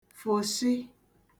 fụshị